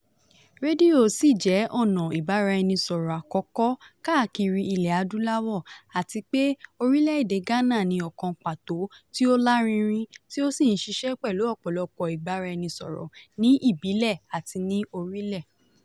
Rédíò sì jẹ́ ọ̀nà ìbáraẹnisọ̀rọ̀ àkọ́kọ́ káàkiri ilẹ̀ Adúláwò, àti pé orílẹ̀ èdè Ghana ní ọ̀kan pàtó tí ó lárinrin tí ó sì ń ṣiṣẹ́ pẹ̀lú ọ̀pọ̀lọpọ̀ ìbáraẹnisọ̀rọ̀ ní ìbílẹ̀ àti ní orílẹ̀.